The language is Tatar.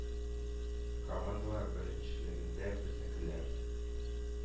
Командалар беренчелегендә безнекеләр,